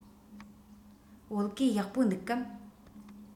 བོད གོས ཡག པོ འདུག གམ